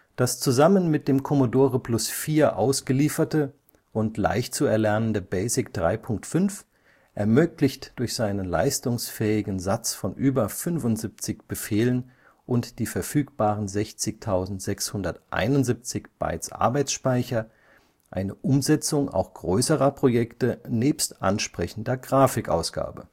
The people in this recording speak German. Das zusammen mit dem Commodore Plus/4 ausgelieferte und leicht zu erlernende BASIC 3.5 ermöglicht durch seinen leistungsfähigen Satz von über 75 Befehlen und die verfügbaren 60.671 Bytes Arbeitsspeicher eine Umsetzung auch größerer Projekte nebst ansprechender Grafikausgabe